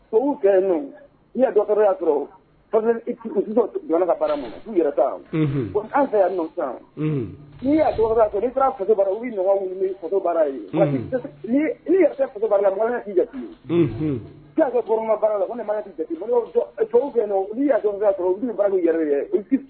Ka an fɛ n'i minnu baara la makan'i jate' baara la mana' ya yɛrɛ ye